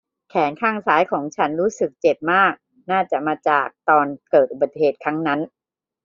แขนข้างซ้ายของฉันรู้สึกเจ็บมากน่าจะมาจากตอนเกิดอุบัติเหตุครั้งนั้น